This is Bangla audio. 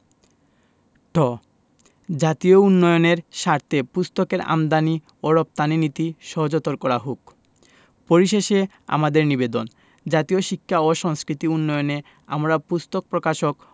ঠ জাতীয় উন্নয়নের স্বার্থে পুস্তকের আমদানী ও রপ্তানী নীতি সহজতর করা হোক পরিশেষে আমাদের নিবেদন জাতীয় শিক্ষা ও সংস্কৃতি উন্নয়নে আমরা পুস্তক প্রকাশক